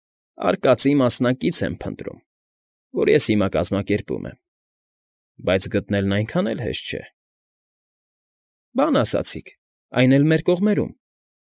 Արկածի մասնակից եմ փնտրում, որ ես հիմա կազմակերպում եմ, բայց գտնելն այնքան էլ հեշտ չէ։ ֊ Բան ասացիք, այն էլ մեր կողմերում։